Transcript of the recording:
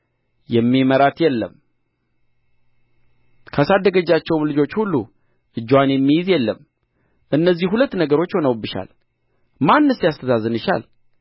የሚመራት የለም ካሳደገቻቸውም ልጆች ሁሉ እጅዋን የሚይዝ የለም እነዚህ ሁለት ነገሮች ሆነውብሻል ማንስ ያስተዛዝንሻል